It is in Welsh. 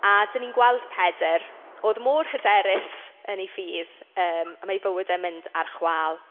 A dan ni'n gweld Pedr oedd mor hyderus yn ei ffydd, yym a mae ei fywyd e'n mynd ar chwâl.